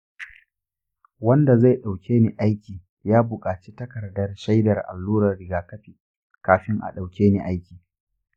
wanda zai ɗauke ni aiki ya bukaci takardar shaidar allurar rigakafi kafin a dauke ni aiki.